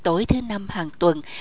tối thứ năm hàng tuần